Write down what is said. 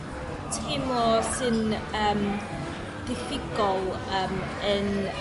teimlo sy'n yym diffigol yym in